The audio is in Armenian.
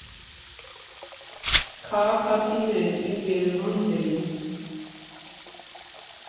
ՔԱՂԱՔԱՑԻՆԵՐ Իմ Երևան Դեյլ։